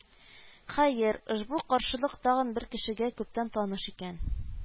Хәер, ошбу каршылык тагын бер кешегә күптән таныш икән